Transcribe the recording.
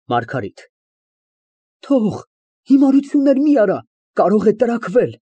ՄԱՐԳԱՐԻՏ ֊ Թող, հիմարություններ մի արա, կարող է տրաքվել։